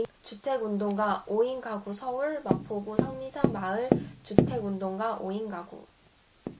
주택운동가 오 인가구서울 마포구 성미산 마을 주택운동가 오 인가구